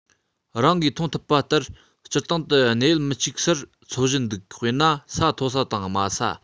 བདག གིས མཐོང ཐུབ པ ལྟར སྤྱིར བཏང དུ གནས ཡུལ མི གཅིག སར འཚོ བཞིན འདུག དཔེར ན ས མཐོ ས དང དམའ ས